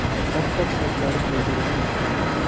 oppoq sochlari to'zg'ib ketgandi